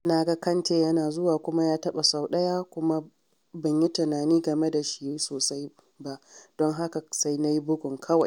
“Na ga Kante yana zuwa kuma ya taɓa sau ɗaya kuma ban yi tunani game da shi sosai ba don haka sai na yi bugun kawai.”